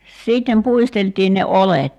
sitten puisteltiin ne oljet